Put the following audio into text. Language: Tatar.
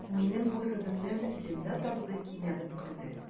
Минем бу сүземнән Зиннәт абзый кинәнеп көлде.